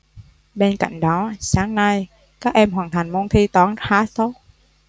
bên cạnh đó sáng nay các em hoàn thành môn thi toán khá tốt